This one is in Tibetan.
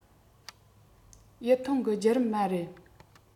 ཡུན ཐུང གི བརྒྱུད རིམ མ རེད